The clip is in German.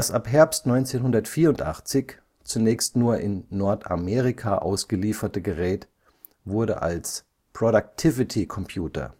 ab Herbst 1984 zunächst nur in Nordamerika ausgelieferte Gerät wurde als „ Productivity Computer